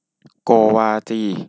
โกวาจี